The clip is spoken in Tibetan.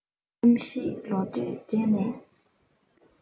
ནམ ཞིག ལོ འབྲས བྲས ནས